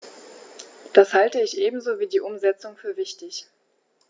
Das halte ich ebenso wie die Umsetzung für wichtig.